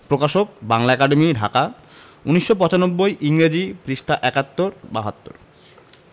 প্রকাশকঃ বাংলা একাডেমী ঢাকা ১৯৯৫ ইংরেজি পৃঃ ৭১ ৭২